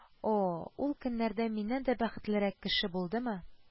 О-о, ул көннәрдә миннән дә бәхетлерәк кеше булдымы